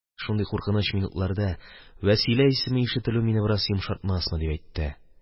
Шундый куркыныч минутларда Вәсилә исеме ишетелү мине бераз йомшартмасмы дип әйтте.